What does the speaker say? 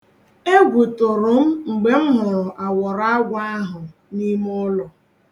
Egwu tụrụ m mgbe m hụrụ awọrọ agwọ ahụ n'ime ụlọ.